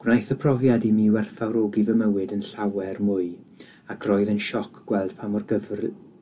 Gwnaeth y profiad i mi werthfawrogi fy mywyd yn llawer mwy, ac roedd yn sioc gweld pa mor gyfr-